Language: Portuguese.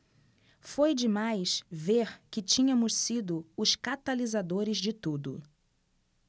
foi demais ver que tínhamos sido os catalisadores de tudo